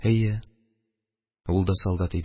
Әйе, ул да солдат иде